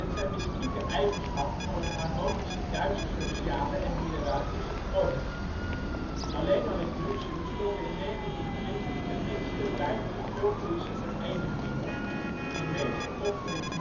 zijn mystieke eigenschappen van een harmonische Duitse sociale en hiërarchische orde. Alleen al in München bestonden in 1920 ten minste 15 völkerische verenigingen, de meeste opgericht